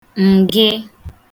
ǹgị̀ị